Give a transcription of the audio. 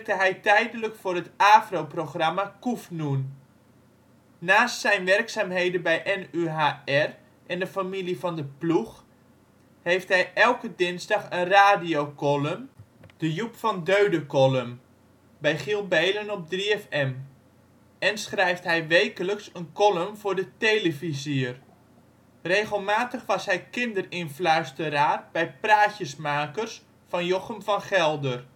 hij tijdelijk voor het AVRO-programma Koefnoen. Naast zijn werkzaamheden bij NUHR en de Familie Van de Ploeg heeft hij elke dinsdag een radiocolumn (de Joep van Deudecolumn) bij Giel Beelen op 3FM en schrijft hij wekelijks een column voor de Televizier. Regelmatig was hij kinderinfluisteraar bij Praatjesmakers van Jochem van Gelder